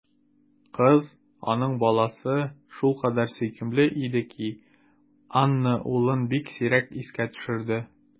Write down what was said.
Кыз, аның баласы, шулкадәр сөйкемле иде ки, Анна улын бик сирәк искә төшерде.